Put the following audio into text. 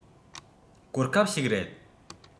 གོ སྐབས ཤིག རེད